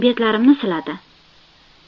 betlarimni siladi